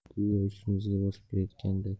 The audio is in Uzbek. go'yo ustimizga bosib kelayotgandek tuyulardi